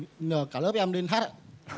nhờ cả lớp em lên hát ạ